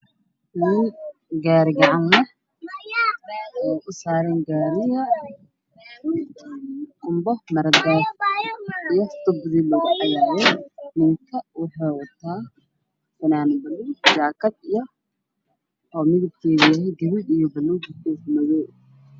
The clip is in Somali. Nin gaari gacan le ah waxaa saaran gaariga qumbe mardaaf iyo tubadii lugu cabaayay ninku waxuu wataa fanaanad buluug ah iyo jaakad gaduud iyo buluug ah.